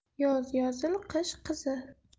yoz yozil qish qisil